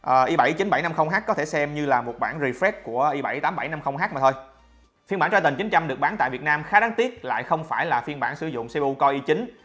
i h có thể xem như là bản refresh của i h mà thôi phiên bản triton được bán tại việt nam khá đáng tiếc lại không phải là bản sử dụng cpu core i